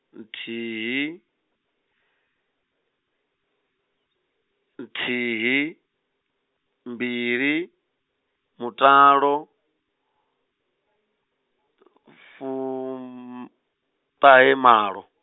nthihi, nthihi, mbili, mutalo, fu- -tahemalo.